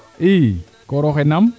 i koor exe nam